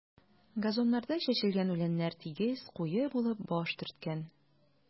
Газоннарда чәчелгән үләннәр тигез, куе булып баш төрткән.